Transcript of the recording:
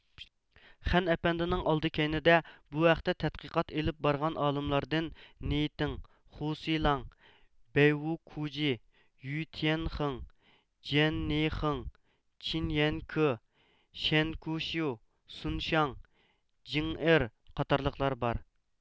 خەن ئەپەندىنىڭ ئالدى كەينىدە بۇ ھەقتە تەتقىقات ئېلىپ بارغان ئالىملاردىن نېيتىڭ خۇسىلاڭ بەيۋۇكۇجى يۈتيەنخېڭ جيەننېيخېڭ چېنيەنكې شەنكۇشيۇ سۇنشاڭ جېڭئېر قاتارلىقلار بار